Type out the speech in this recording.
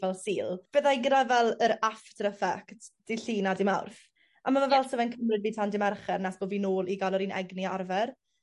fel Sul fyddai gyda fel yr after effents dy' Llun a dy' Mawrth. A ma' fe fel sa fe'n cymryd fi tan dy' Mercher nes bo' fi nôl i ga'l yr un egni a arfer.